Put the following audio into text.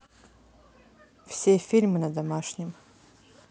все фильмы на домашнем